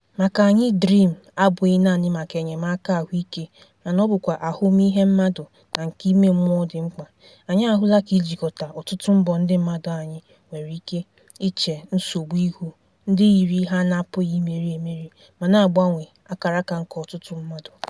PG: Maka anyị DREAM abụghị naanị maka enyemaka ahụike mana ọ bụkwa ahụmihe mmadụ na nke ime mmụọ dị mkpa: anyị ahụla ka ijikọta ọtụtụ mbọ ndị mmadụ anyị nwere ike iche nsogbu ihu ndị yiri ihe a na-apụghị imeri emeri, ma na-agbanwe akaraka nke ọtụtụ mmadụ.